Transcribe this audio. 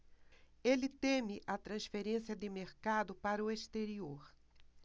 ele teme a transferência de mercado para o exterior